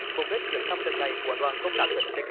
mục đích chuyến thăm lần này của đoàn công tác tỉnh sê